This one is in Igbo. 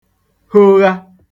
hogha